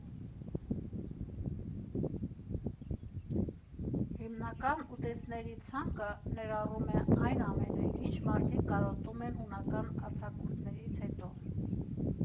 Հիմնական ուտեստների ցանկը ներառում է այն ամենը, ինչ մարդիկ կարոտում են հունական արձակուրդներից հետո.